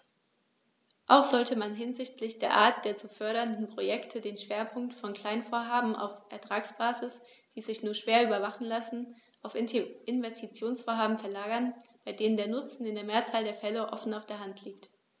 Auch sollte man hinsichtlich der Art der zu fördernden Projekte den Schwerpunkt von Kleinvorhaben auf Ertragsbasis, die sich nur schwer überwachen lassen, auf Investitionsvorhaben verlagern, bei denen der Nutzen in der Mehrzahl der Fälle offen auf der Hand liegt.